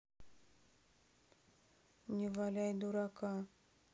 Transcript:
не валяй дурака